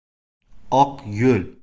oq yo'l